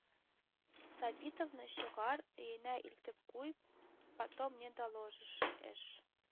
Сабитовны чыгар, өенә илтеп куй, потом мне доложишь, эш